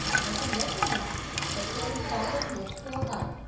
Ә син беләсеңме, әти Александр Невский алган.